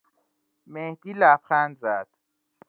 مهدی لبخند زد.